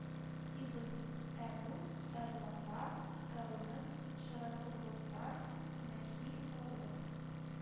Ибн Әбү әл-Вафа кавемен шәрабхурлыктан нәһи кыйлып: